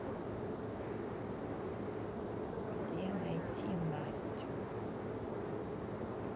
где найти настю